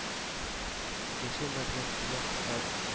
Икенче мәргән тимер кыска